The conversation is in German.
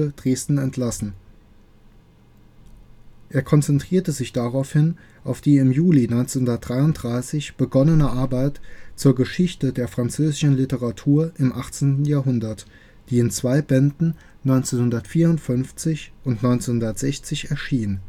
Dresden entlassen. Er konzentrierte sich daraufhin auf die im Juli 1933 begonnene Arbeit zur „ Geschichte der französischen Literatur im 18. Jahrhundert “, die in zwei Bänden 1954 und 1960 erschien